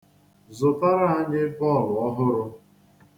Zụtara anyị bọọlụ ọhụrụ.